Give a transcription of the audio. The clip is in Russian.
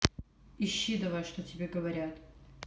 ищи давай что тебе говорят